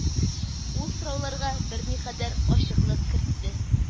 Ул сорауларга берникадәр ачыклык кертте